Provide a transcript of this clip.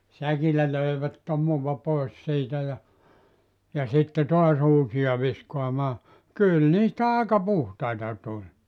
säkillä löivät tomua pois siitä ja ja sitten taas uusia viskaamaan kyllä niistä aika puhtaita tuli